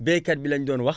baykat bi la ñu doon wax